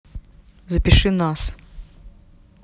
запиши нас